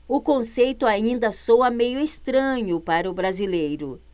o conceito ainda soa meio estranho para o brasileiro